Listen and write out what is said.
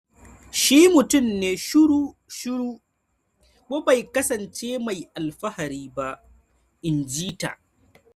"Shi mutum ne shiru-shiru, kuma bai kasance mai alfahari ba," inji ta.